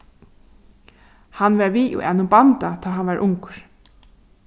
hann var við í einum banda tá hann var ungur